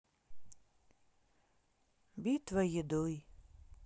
битва едой